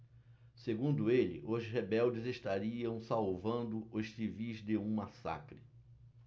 segundo ele os rebeldes estariam salvando os civis de um massacre